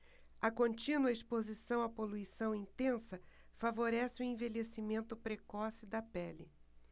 a contínua exposição à poluição intensa favorece o envelhecimento precoce da pele